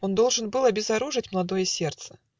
Он должен был обезоружить Младое сердце.